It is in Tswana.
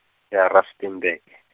ke ya Rustenburg.